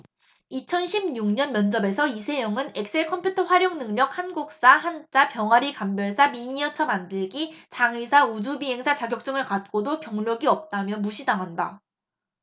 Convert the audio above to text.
이천 십 육 년 면접에서 이세영은 엑셀 컴퓨터활용능력 한국사 한자 병아리감별사 미니어처만들기 장의사 우주비행사 자격증을 갖고도 경력이 없다며 무시당한다